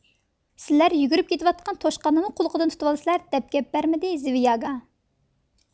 سىلەر يۈگۈرۈپ كېتىۋاتقان توشقاننىمۇ قۇلىقىدىن تۇتۇۋالىسىلەر دەپ گەپ بەرمىدى زىۋياگا